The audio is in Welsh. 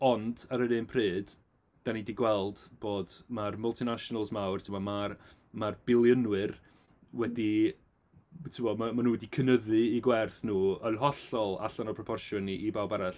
Ond ar yr un pryd, dan ni 'di gweld bod mae'r multi-nationals mawr, timod ma'r ma'r biliynwyr wedi timod ma' maen nhw wedi cynyddu eu gwerth nhw yn hollol allan o proportion i bawb arall.